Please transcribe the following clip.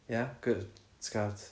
ia good ti'n cael t-